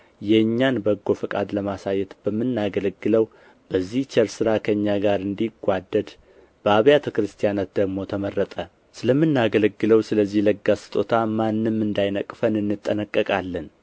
የእኛን በጎ ፈቃድ ለማሳየት በምናገለግለው በዚህ ቸር ሥራ ከእኛ ጋር እንዲጓደድ በአብያተ ክርስቲያናት ደግሞ ተመረጠ ስለምናገለግለው ስለዚህ ለጋስ ስጦታ ማንም እንዳይነቅፈን እንጠነቀቃለን